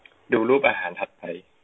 ดูรูปอาหารถัดไป